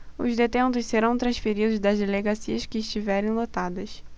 os detentos serão transferidos das delegacias que estiverem lotadas